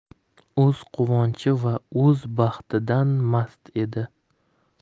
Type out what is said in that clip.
o'z quvonchi va o'z baxtidan mast edi